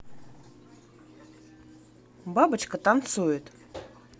бабочка танцует